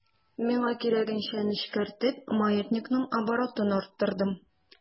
Миңа кирәгенчә нечкәртеп, маятникның оборотын арттырдым.